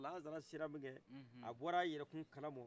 lansara se la mun kɛ a bɔra a yɛrɛkun kalama